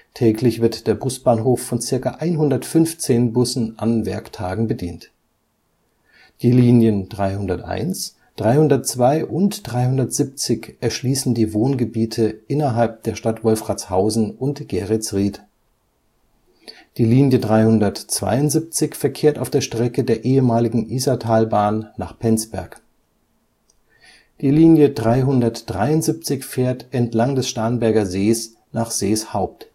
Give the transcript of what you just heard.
Täglich wird der Busbahnhof von circa 115 Bussen an Werktagen bedient. Die Linien 301, 302 und 370 erschließen die Wohngebiete innerhalb der Städte Wolfratshausen und Geretsried. Die Linie 372 verkehrt auf der Strecke der ehemaligen Isartalbahn nach Penzberg. Die Linie 373 fährt entlang des Starnberger Sees nach Seeshaupt